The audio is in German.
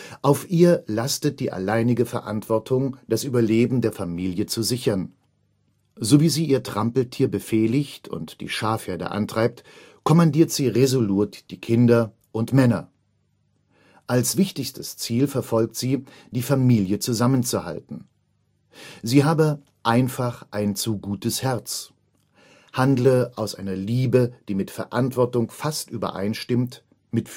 Auf ihr lastet die alleinige Verantwortung, das Überleben der Familie zu sichern. So wie sie ihr Trampeltier befehligt und die Schafherde antreibt, kommandiert sie resolut die Kinder und Männer. Als wichtigstes Ziel verfolgt sie, die Familie zusammenzuhalten. Sie habe „ einfach ein zu gutes Herz “, handle „ aus einer Liebe, die mit Verantwortung fast übereinstimmt, mit